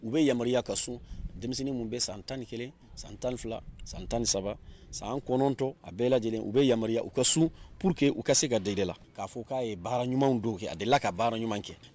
u bɛ yamaruya ka sun denmisɛnnin min bɛ san tan ni kelen san tan ni fila san tan ni saba san kɔnɔntɔn a bɛɛ lajɛlen u bɛ yamaruya u ka sun pourque u ka se ka dege a la k'a fɔ k'a ye baara ɲuman dɔw kɛ a delila ka baara ɲuman kɛ